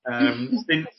Yym sy'n